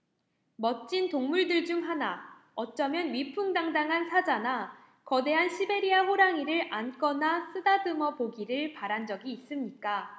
멋진 동물들 중 하나 어쩌면 위풍당당한 사자나 거대한 시베리아호랑이를 안거나 쓰다듬어 보기를 바란 적이 있습니까